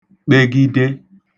kpegide